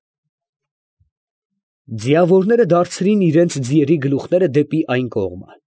Ձիավորները դարձրին իրանց ձիերի գլուխները դեպի այն կողմը։